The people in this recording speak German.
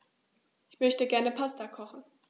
Ich möchte gerne Pasta kochen.